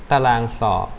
ตารางสอบ